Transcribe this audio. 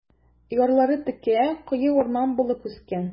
Ярлары текә, куе урман булып үскән.